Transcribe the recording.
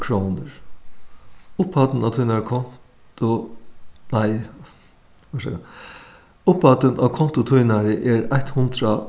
krónur upphæddin á tínari konto nei orsaka upphæddin á konto tínari er eitt hundrað